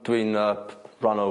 Dwi'n y rhan o...